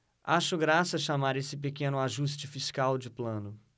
acho graça chamar esse pequeno ajuste fiscal de plano